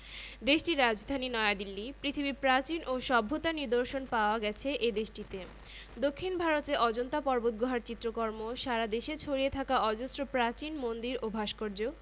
আয়তন প্রায় ৯৫ লক্ষ ৯৮ হাজার ৮৯ বর্গকিলোমিটার আয়তনের দিক থেকে বিশ্বের তৃতীয় বৃহত্তম দেশ এটি ভৌগলিকভাবে ভারত ও রাশিয়ার মাঝখানে দেশটির অবস্থান এর পূর্বে প্রশান্ত মহাসাগর